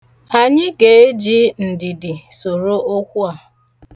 Anyị ga-eji ndidi soro okwu a.